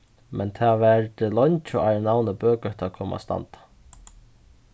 men tað vardi leingi áðrenn navnið bøgøta kom at standa